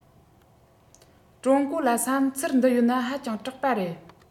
ཀྲུང གོ ལ བསམ ཚུལ འདི ཡོད ན ཧ ཅང སྐྲག པ རེད